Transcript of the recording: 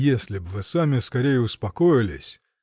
— Если б вы сами скорей успокоились!